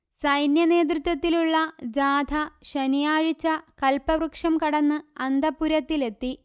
സൈന്യ നേതൃത്വത്തിലുള്ള ജാഥ ശനിയാഴ്ച കൽപ്പവൃക്ഷം കടന്ന് അന്തഃപുരത്തിലെത്തി